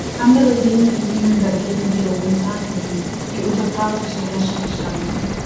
Andere sehen in ihnen dagegen wiederum Saken, die unter parthischer Herrschaft standen